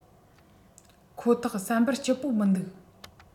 ཁོ ཐག བསམ པར སྐྱིད པོ མི འདུག